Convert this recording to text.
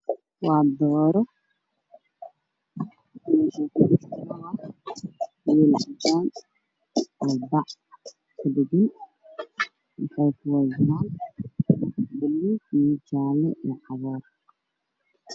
Waa dooro mesh ey kujirto waa mel cadan oo bac kudhegan kalarka waa balug io jale io cagar